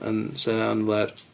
Yym 'sa hynna yn flêr.